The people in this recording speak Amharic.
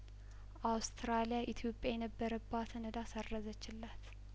አውስትራሊያ ኢትዮጵያ የነበረባትን እዳ ሰረዘችላት